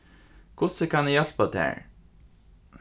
hvussu kann eg hjálpa tær